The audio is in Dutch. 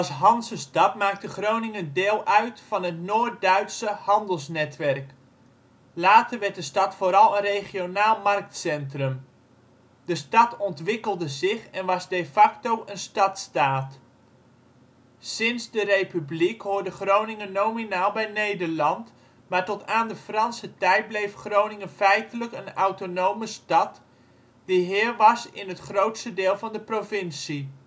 Hanzestad maakte Groningen deel uit van het Noord-Duitse handelsnetwerk. Later werd de stad vooral een regionaal marktcentrum. De stad ontwikkelde zich en was de facto een stadstaat. Sinds de Republiek hoorde Groningen nominaal bij Nederland, maar tot aan de Franse tijd bleef Groningen feitelijk een autonome stad, die heer was in het grootste deel van de provincie